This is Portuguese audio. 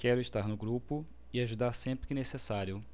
quero estar no grupo e ajudar sempre que necessário